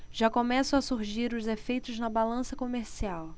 já começam a surgir os efeitos na balança comercial